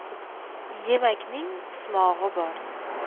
yemakning qusmog'i bor